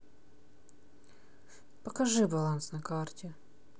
покажи баланс на карте